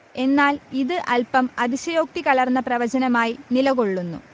എന്നാൽ ഇത് അൽപം അതിശയോക്തി കലർന്ന പ്രവചനമായി നിലകൊള്ളുന്നു